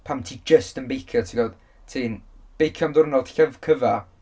Pan ti jyst yn beicio, ti'n gwbod? Ti'n beicio am ddiwrnod cyf- cyfan...